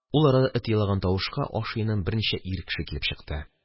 Ул арада эт елаган тавышка аш өеннән берничә ир кеше килеп чыкты